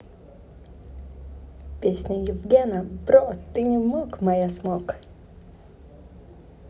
песня евгена бро ты не мог моя смог